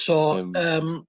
So yym